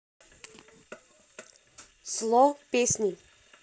сло песни